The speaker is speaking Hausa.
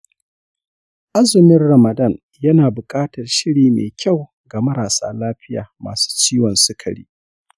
azumin ramadan yana buƙatar shiri mai kyau ga marasa lafiya masu ciwon sukari.